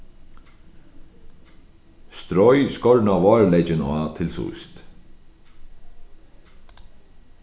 stroy skorna várleykin á til síðst